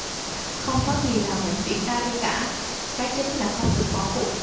không có gì là vĩnh viễn ra đi cả cái chính là không được bỏ cuộc